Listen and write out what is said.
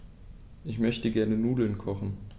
Ich möchte gerne Nudeln kochen.